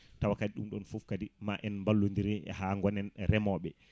tawa kadi ɗum ɗon foof kadi ma en ballodire ha gonen reemoɓe